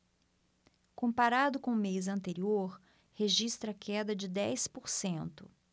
comparado com o mês anterior registra queda de dez por cento